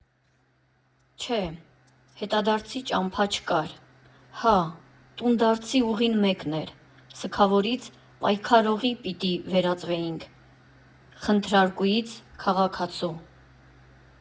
Չէ՛, հետդարձի ճամփա չկար, հա՛, տունդարձի ուղին մեկն էր՝ սգավորից պայքարողի պիտ վերածվեինք, խնդրարկուից՝ քաղաքացու։